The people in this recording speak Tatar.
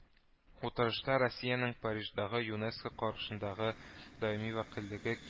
Утырышта Россиянең Париждагы ЮНЕСКО каршындагы Даими вәкиллеге